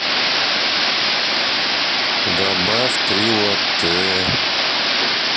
добавь три латте